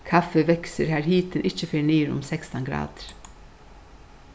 kaffi veksur har hitin ikki fer niður um sekstan gradir